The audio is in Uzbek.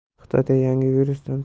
xitoyda yangi virusdan